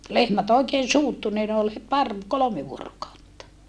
lehmät oikein suuttui niin ne oli heti pari kolme vuorokautta